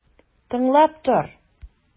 Тыңлап тор!